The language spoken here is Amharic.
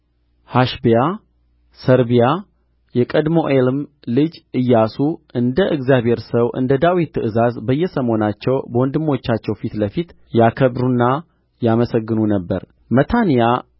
ሐሸብያ ሰራብያ የቀድምኤልም ልጅ ኢያሱ እንደ እግዚአብሔር ሰው እንደ ዳዊት ትእዛዝ በየሰሞናቸው በወንድሞቻቸው ፊት ለፊት ያከብሩና ያመሰግኑ ነበር መታንያ